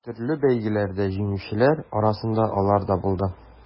Төрле бәйгеләрдә җиңүчеләр арасында алар да булды.